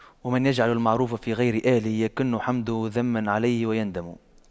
ومن يجعل المعروف في غير أهله يكن حمده ذما عليه ويندم